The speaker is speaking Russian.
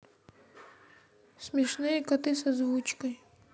смешные коты с озвучкой